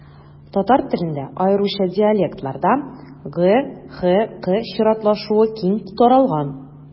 Татар телендә, аеруча диалектларда, г-х-к чиратлашуы киң таралган.